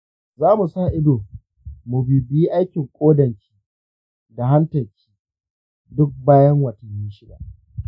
zamu sa ido mu bibiyi aikin ƙodanki da hantanki duk bayan watanni shida.